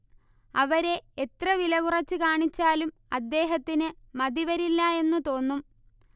അവരെ എത്ര വിലകുറച്ചുകാണിച്ചാലും അദ്ദേഹത്തിന് മതിവരില്ല എന്നു തോന്നും